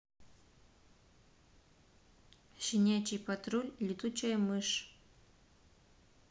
щенячий патруль летучая мышь